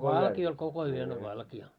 valkea oli koko yön oli valkea